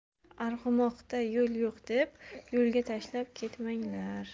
arg'umoqda yol yo'q deb yo'lga tashlab ketmanglar